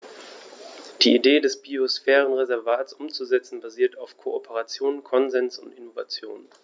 Die Idee des Biosphärenreservates umzusetzen, basiert auf Kooperation, Konsens und Innovation.